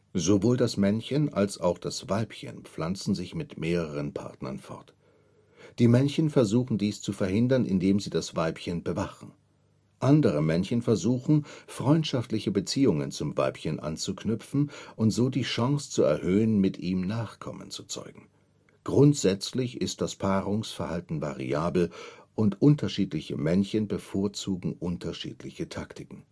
Sowohl das Männchen als auch das Weibchen pflanzen sich mit mehreren Partnern fort. Die Männchen versuchen dies zu verhindern, indem sie das Weibchen bewachen. Andere Männchen versuchen, freundschaftliche Beziehungen zum Weibchen anzuknüpfen und so die Chance zu erhöhen, mit ihm Nachkommen zu zeugen. Grundsätzlich ist das Paarungsverhalten variabel und unterschiedliche Männchen bevorzugen unterschiedliche Taktiken